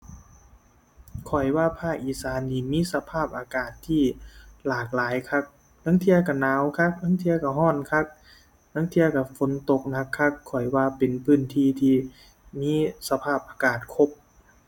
ข้อยว่าภาคอีสานนี้ มีสภาพอากาศที่หลากหลายคัก ลางเที่ยก็หนาวคัก ลางเที่ยก็ก็คัก ลางเที่ยก็ฝนตกหนักคัก ข้อยว่าเป็นพื้นที่ที่มีสภาพอากาศครบ